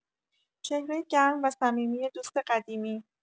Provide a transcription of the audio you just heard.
چهره گرم و صمیمی دوست قدیمی